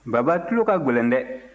baba tulo ka gɛlɛn dɛ